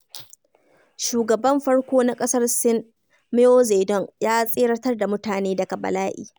Shugaban farko na ƙasar Sin, Mao Zedong ya tseratar da mutane daga bala'i.